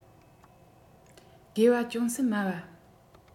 དགོས པ ཅུང ཟད དམའ བ